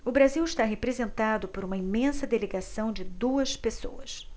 o brasil está representado por uma imensa delegação de duas pessoas